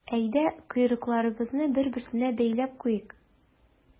Әйдә, койрыкларыбызны бер-берсенә бәйләп куйыйк.